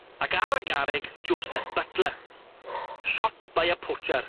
Ac ar y garreg Joseph Butler shot by a poacher.